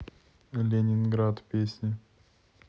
ленинград песни